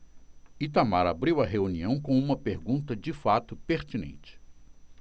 itamar abriu a reunião com uma pergunta de fato pertinente